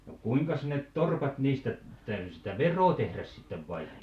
no kuinkas ne torpat niistä täytyi sitä veroa tehdä sitten vai